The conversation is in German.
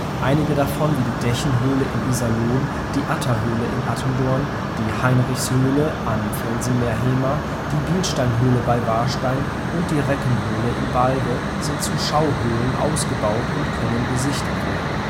Einige davon, wie die Dechenhöhle in Iserlohn, die Atta-Höhle in Attendorn, die Heinrichshöhle am Felsenmeer Hemer, die Bilsteinhöhle bei Warstein und die Reckenhöhle in Balve, sind zu Schauhöhlen ausgebaut und können besichtigt werden